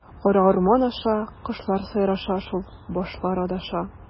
Кара урман аша, кошлар сайраша шул, башлар адаша.